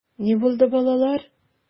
Ни булды, балалар?